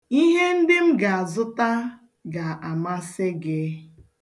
Ihe ndị m ga-azụta ga-amasị gị.